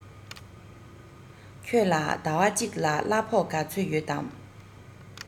ཁྱོད ལ ཟླ བ གཅིག ལ གླ ཕོགས ག ཚོད ཡོད དམ